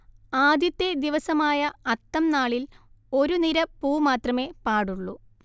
ആദ്യത്തെ ദിവസമായ അത്തംനാളിൽ ഒരു നിര പൂ മാത്രമേ പാടുള്ളൂ